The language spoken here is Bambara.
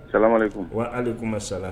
Kala ala kuma sala